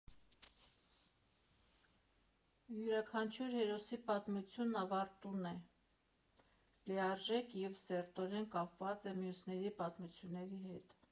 Յուրաքանչյուր հերոսի պատմությունն ավարտուն է, լիաժեք և սերտորեն կապված է մյուսների պատմությունների հետ։